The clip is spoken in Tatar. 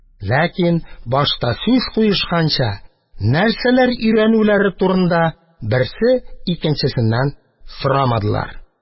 Ләкин, башта сүз куешканча, нәрсәләр өйрәнүләре турында берсе икенчесеннән сорамадылар.